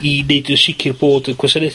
i neud yn sicir bod y gwasaneth